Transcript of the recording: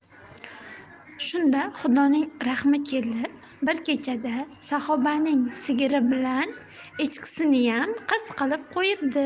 shunda xudoning rahmi kelib bir kechada saxobaning sigiri bilan echkisiniyam qiz qilib qo'yibdi